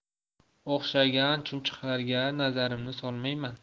o'xshagan schumchuqlarga nazarimni solmayman